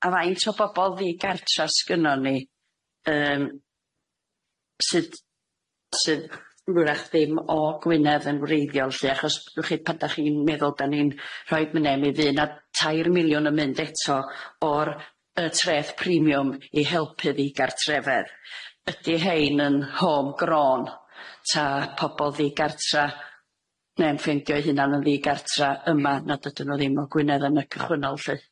a faint o bobol ddigartra sgynnon ni yym sydd sydd 'w'rach ddim o Gwynedd yn wreiddiol lly achos 'wch chi pan dach chi'n meddwl 'dan ni'n rhoid ne' mi fy' 'na tair miliwn yn mynd eto o'r y treth primiwm i helpu ddigartrefedd ydi rhein yn hôm-grôn 'ta pobol ddigartra ne'n ffeindio'i hunan yn ddigartra yma nad ydyn nw ddim o Gwynedd yn y cychwynnol lly?